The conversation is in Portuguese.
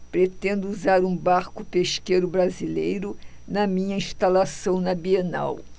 pretendo usar um barco pesqueiro brasileiro na minha instalação na bienal